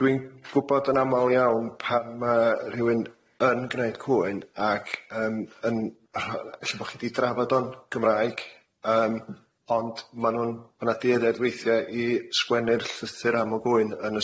dwi'n gwbod yn amal iawn pan ma' rhywun yn gneud cwyn ac yym yn rho- ella bo' chi di drafod o'n Gymraeg yym ond ma' nw'n ma' na dueddiad weithie i sgwennu'r llythyr am y gwyn yn y